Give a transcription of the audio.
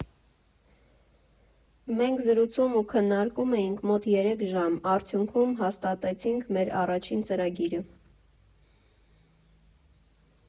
«Մենք զրուցում ու քննարկում էինք մոտ երեք ժամ, արդյունքում հաստատեցինք մեր առաջին ծրագիրը.